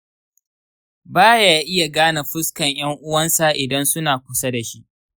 baya iya gane fuskan yan'uwansa idan suna kusa dashi.